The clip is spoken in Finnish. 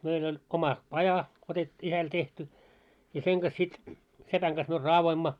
meillä oli oma paja - isällä tehty ja sen kanssa sitten sepän kanssa me raadoimme